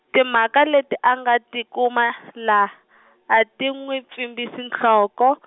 timhaka leti a nga ti kuma la, a ti nwi pfimbise nhloko.